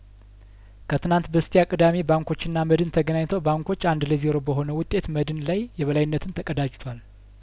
ከትናንት በስቲያ ቅዳሜ ባንኮችና መድን ተገናኝተው ባንኮች አንድ ለዜሮ በሆነ ውጤት መድን ላይ የበላይነትን ተቀዳጅቷል